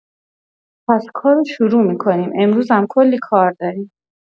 پس کار رو شروع کنیم، امروز هنوز کلی کار داریم.